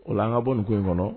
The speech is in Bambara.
O la an ka bɔ ni koyi in kɔnɔ